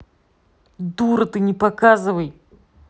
дура ты не показывай